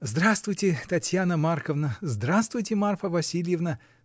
— Здравствуйте, Татьяна Марковна, здравствуйте, Марфа Васильевна!